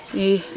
i